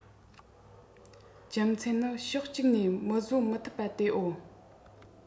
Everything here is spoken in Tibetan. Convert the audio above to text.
རྒྱུ མཚན ནི ཕྱོགས གཅིག ནས མི བཟོད མི ཐུབ པ དེའོ